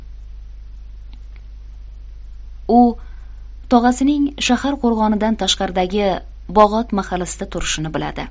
u tog'asining shahar qo'rg'onidan tashqaridagi bog'ot mahallasida turishini biladi